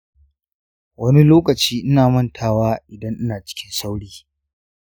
wani lokaci ina mantawa idan ina cikin sauri.